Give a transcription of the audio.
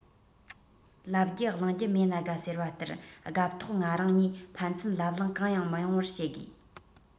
ལབ རྒྱུ གླེང རྒྱུ མེད ན དགའ ཟེར བ ལྟར སྒབས ཐོག ང རང གཉིས ཕན ཚུན ལབ གླེང གང ཡང མི ཡོང བར བྱེད དགོས